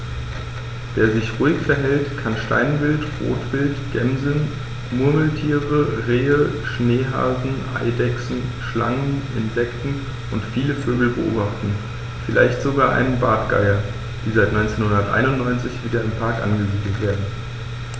Wer sich ruhig verhält, kann Steinwild, Rotwild, Gämsen, Murmeltiere, Rehe, Schneehasen, Eidechsen, Schlangen, Insekten und viele Vögel beobachten, vielleicht sogar einen der Bartgeier, die seit 1991 wieder im Park angesiedelt werden.